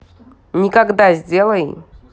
никогда сделай